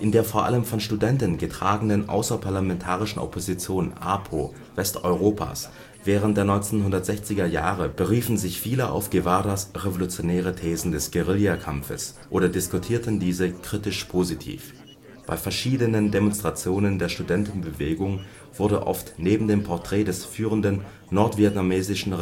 der vor allem von Studenten getragenen Außerparlamentarischen Opposition (APO) Westeuropas während der 1960er Jahre beriefen sich viele auf Guevaras revolutionäre Thesen des Guerillakampfes oder diskutierten diese kritisch-positiv. Bei verschiedenen Demonstrationen der Studentenbewegung wurde oft neben dem Porträt des führenden nordvietnamesischen